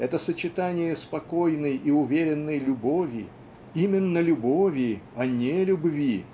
это сочетание спокойной и уверенной любови именно любови а не любви